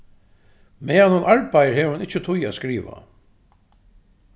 meðan hon arbeiðir hevur hon ikki tíð at skriva